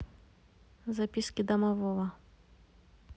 записки домового